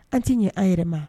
An tɛ ɲɛ an yɛrɛ ma